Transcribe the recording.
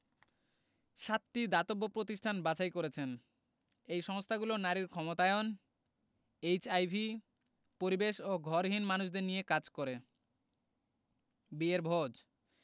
সাতটি দাতব্য প্রতিষ্ঠান বাছাই করেছেন এই সংস্থাগুলো নারীর ক্ষমতায়ন এইচআইভি পরিবেশ ও ঘরহীন মানুষদের নিয়ে কাজ করে বিয়ের ভোজ